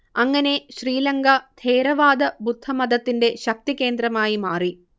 അങ്ങനെ ശ്രീലങ്ക ഥേരവാദ ബുദ്ധമതത്തിന്റെ ശക്തികേന്ദ്രമായി മാറി